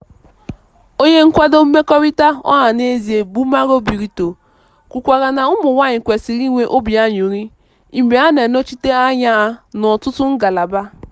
Onye nkwado mmekọrịta ọhanaeze bụ Mauro Brito kwukwara na ụmụnwaanyị kwesịrị inwe obi aṅụrị""mgbe a na-anọchite anya ha n'ọtụtụ ngalaba":"